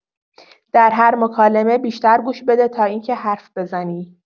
در هر مکالمه بیشتر گوش بده تا اینکه حرف بزنی.